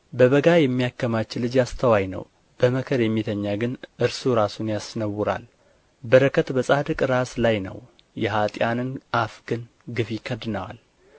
በበጋ የሚያከማች ልጅ አስተዋይ ነው በመከር የሚተኛ ግን እርሱ ራሱን ያስነውራል በረከት በጻድቅ ራስ ላይ ነው የኅጥኣንን አፍ ግን ግፍ ይከድነዋል